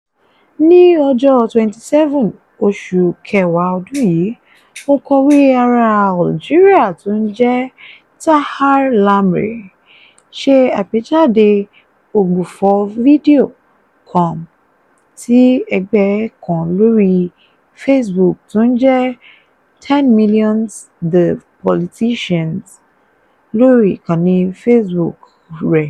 Ní ọjọ́ 27 oṣù kẹwàá ọdùn yìí, òǹkòwé arà Algeria tó ń jẹ́ Tahar Lamri [en] ṣe àgbéjáde ogbùfọ̀ fídíò kan [ar] tí ẹgbẹ́ kan lóri Facebook tó ń jẹ́ 10 Millions de Politiciens [ar, fr] lórí ìkànnì Facebook rẹ̀.